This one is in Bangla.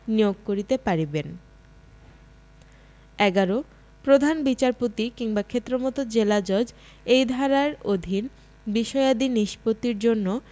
নিয়োগ করিতে পারিবেন ১১ প্রধান বিচারপতি কিংবা ক্ষেত্রমত জেলাজজ এই ধারার অধীন বিষয়াদি নিষ্পত্তির জন্য